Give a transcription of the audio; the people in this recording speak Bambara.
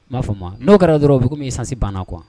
N'a fɔ ma n'o kɛra dɔrɔn u bɛ kɔmi n'i sansi banna kuwa